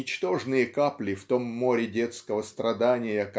ничтожные капли в том море детского страдания